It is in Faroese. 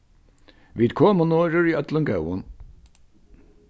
vit komu norður í øllum góðum